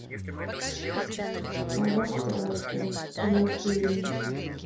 обосраться кинофильм